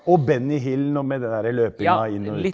og Benny Hill òg men den derre løpinga inn og ut.